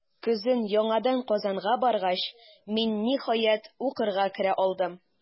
Көзен яңадан Казанга баргач, мин, ниһаять, укырга керә алдым.